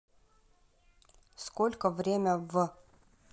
сколько время в